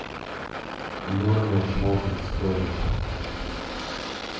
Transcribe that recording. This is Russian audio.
дурнев смотрит сторис